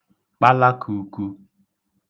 kpalakūkū